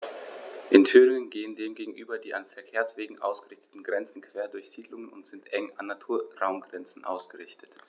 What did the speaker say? In Thüringen gehen dem gegenüber die an Verkehrswegen ausgerichteten Grenzen quer durch Siedlungen und sind eng an Naturraumgrenzen ausgerichtet.